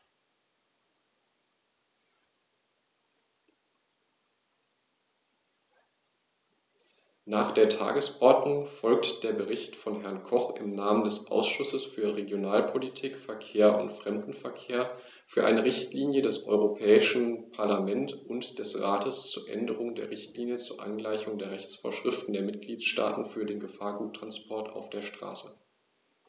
Nach der Tagesordnung folgt der Bericht von Herrn Koch im Namen des Ausschusses für Regionalpolitik, Verkehr und Fremdenverkehr für eine Richtlinie des Europäischen Parlament und des Rates zur Änderung der Richtlinie zur Angleichung der Rechtsvorschriften der Mitgliedstaaten für den Gefahrguttransport auf der Straße.